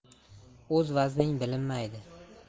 o'z vazning bilinmaydi